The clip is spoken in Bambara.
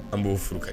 An b'o furu ka